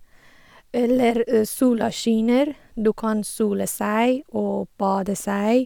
Eller sola skinner, du kan sole seg og bade seg.